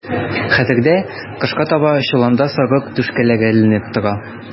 Хәтердә, кышка таба чоланда сарык түшкәләре эленеп тора.